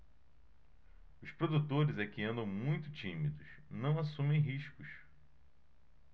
os produtores é que andam muito tímidos não assumem riscos